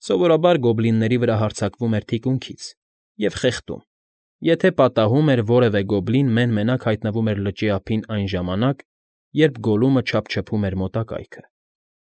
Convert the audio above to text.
Սովորաբար գոբլինների վրա հարձակվում էր թիկունքից և խեղդում, եթե պատահում էր, որևէ գոբլին մեն֊մենակ հայնտնվում էր լճի ափին, այն ժամանակ, երբ Գոլլումը չափչփում էր մոտակայքը։